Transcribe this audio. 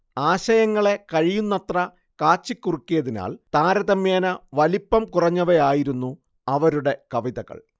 ആശയങ്ങളെ കഴിയുന്നത്ര കാച്ചിക്കുറുക്കിയതിനാൽ താരതമ്യേന വലിപ്പം കുറഞ്ഞവയായിരുന്നു അവരുടെ കവിതകൾ